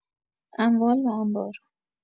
اموال و انبار